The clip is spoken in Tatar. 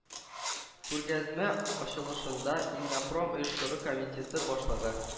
Күргәзмә ачылышында “ИННОПРОМ” оештыру комитеты башлыгы